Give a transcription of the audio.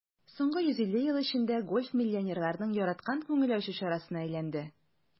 Соңгы 150 ел эчендә гольф миллионерларның яраткан күңел ачу чарасына әйләнде.